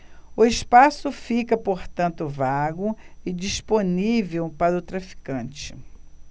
o espaço fica portanto vago e disponível para o traficante